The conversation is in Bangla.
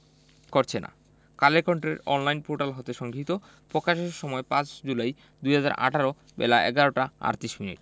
করছে না কালের কন্ঠের অনলাইন পোর্টাল হতে সংগৃহীত প্রকাশের সময় ৫ জুলাই ২০১৮ বেলা ১১টা ৩৮ মিনিট